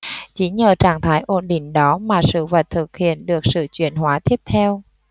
chính nhờ trạng thái ổn định đó mà sự vật thực hiện được sự chuyển hóa tiếp theo